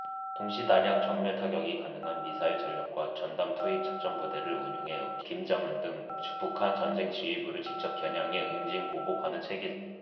동시 다량 정밀타격이 가능한 미사일 전력과 전담 투입 작전부대를 운용해 김정은 등 북한 전쟁지휘부를 직접 겨냥해 응징 보복하는 체계를 말한다